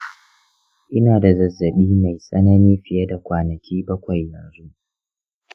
ina da zazzabi mai tsanani fiye da kwanaki bakwai yanzu.